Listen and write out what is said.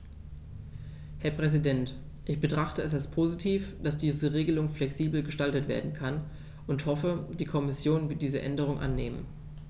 Herr Präsident, ich betrachte es als positiv, dass diese Regelung flexibel gestaltet werden kann und hoffe, die Kommission wird diese Änderung annehmen.